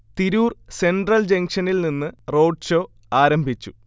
Tirur central ജംഗ്ഷനിൽ നിന്ന് roadshow ആരംഭിച്ചു